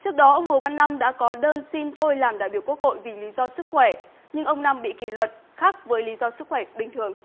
trước đó ông hồ văn năm đã có đơn xin thôi làm đại biểu quốc hội vì lý do sức khỏe nhưng ông năm bị kỷ luật khác với lý do sức khỏe bình thường